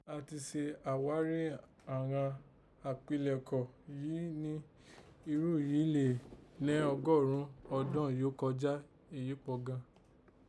A ti se àghárí àghan àkpilẹ̀kọ yìí ni irun yìí le nẹ́ ọgọ́rùn ún ọdọ́n yóò kọjá, èyí kpọ̀ gan an